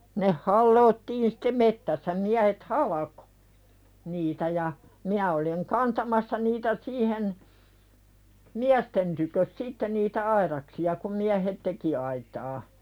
ne halottiin sitten metsässä miehet halkoi niitä ja minä olin kantamassa niitä siihen miesten tykö sitten niitä aidaksia kun miehet teki aitaa